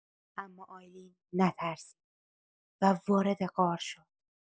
اما آیلین نترسید و وارد غار شد.